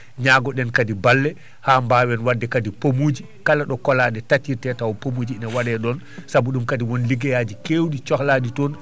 ñagoɗen kadi balle haa mbawen wadde kadi pomuji kala ɗo kolaɗe taccirte taw pomuji ene waɗe ɗon saabu ɗum kadi won liggeyaji kewɗi cohlaɗi toon